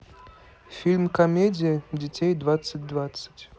фильм комедия детей двадцать двадцать